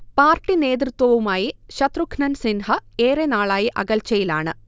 party നേതൃത്വവുമായി ശത്രുഘ്നൻ സിൻഹ ഏറെ നാളായി അകൽച്ചയിലാണ്